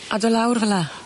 A do' lawr fel 'a?